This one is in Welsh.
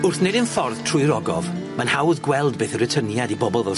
Wrth neud ein ffordd trwy'r ogof, mae'n hawdd gweld beth yw'r atyniad i bobol fel...